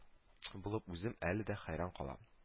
Булып үзем әле дә хәйран калам